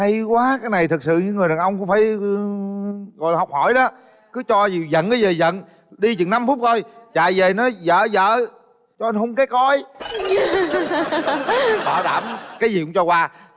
hay quá cái này thực sự những người đàn ông cũng phải gọi là học hỏi đó cứ cho dù giận cái gì giận đi chừng năm phút thôi chạy dề nói dợ ơi dợ cho anh hun cái coi bảo đảm cái gì cũng cho qua